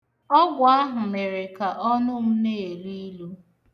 Ọgwụ ahụ mere ka ọnụ m na-elu ilu.